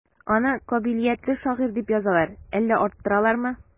Аны кабилиятле шагыйрь дип язалар, әллә арттыралармы?